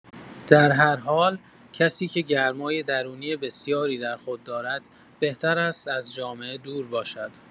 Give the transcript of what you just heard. در هر حال، کسی که گرمای درونی بسیاری در خود دارد، بهتر است از جامعه دور باشد.